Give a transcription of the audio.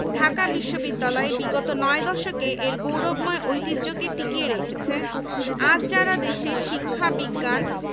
ঢাকা বিশ্ববিদ্যালয় বিগত নয় দশকে এর গৌরবময় ঐতিহ্যকে টিকিয়ে রেখেছে আজ যাঁরা দেশের শিক্ষা বিজ্ঞান